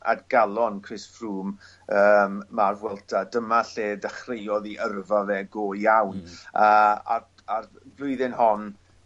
at galon Chris Froome yym ma'r Vuelta. Dyma lle dechreuodd 'i yrfa fe go iawn... Hmm. ...yy a- a'r b- blwyddyn hon